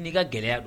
N'i ka gɛlɛya